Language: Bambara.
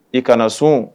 I kana na sun